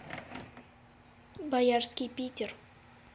боярский питер